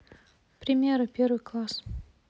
примеры первый класс